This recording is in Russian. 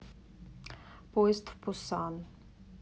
поезд в пуссан